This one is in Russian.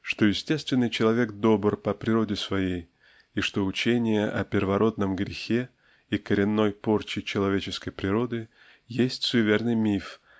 что естественный человек добр по природе своей и что учение о первородном грехе и коренной порче человеческой природы есть суеверный миф